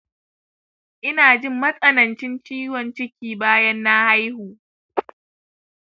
inajin matsanancin ciwon ciki bayan na haihu